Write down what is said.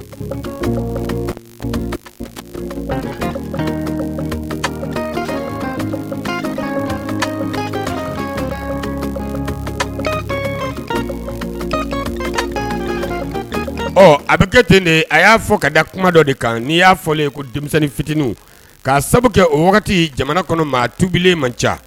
A bɛ kɛ ten de a y'a fɔ ka da kuma dɔ de kan n'i y'a fɔ ye ko denmisɛnnin fitinin k'a sababu kɛ o wagati jamana kɔnɔ maa tubili man ca